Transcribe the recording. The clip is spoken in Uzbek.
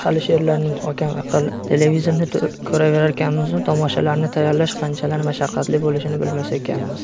hali she'rlarni muhokama qil televizorni ko'raverarkanmizu tomoshalarni tayyorlash qanchalar mashaqqatli bo'lishini bilmas ekanmiz